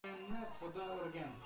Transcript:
qurbon qurbonda to'ymaganni xudo urgan